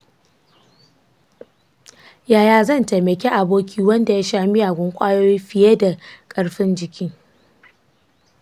yaya zan taimaki aboki wanda ya sha miyagun ƙwayoyi fiye da ƙarfin jiki?